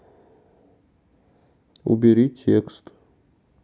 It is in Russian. убери текст